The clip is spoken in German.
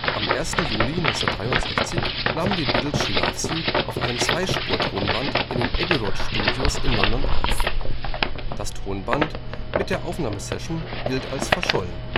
Am 1. Juli 1963 nahmen die Beatles She Loves You auf einem Zweispur-Tonband in den Abbey Road Studios in London auf. Das Tonband mit der Aufnahmesession gilt als verschollen